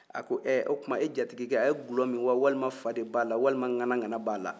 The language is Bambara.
a ko ɛɛ o tuma e jatigikɛ a ye dɔlɔ min wa walima fa de b'a la walima nganagana b'a la